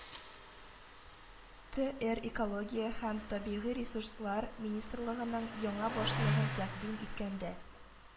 ТР Экология һәм табигый ресурслар министрлыгының яңа башлыгын тәкъдим иткәндә